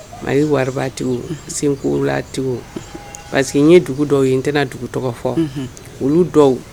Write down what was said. Mɛ waritigiw sekotigiw parce que ye dugu dɔw in n tɛna dugu tɔgɔ fɔ olu dɔw